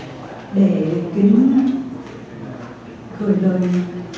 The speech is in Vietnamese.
để kính gửi lời